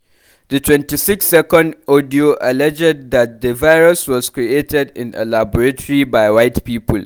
The 26-second audio alleged that the virus was created in a laboratory by white people.